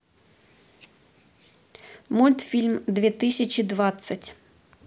мультфильм две тысячи двадцать